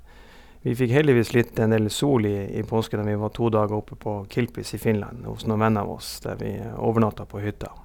Vi fikk heldigvis litt en del sol i i påsken når vi var to dager oppe på Kilpis i Finland hos noen venner av oss, der vi overnatta på hytta.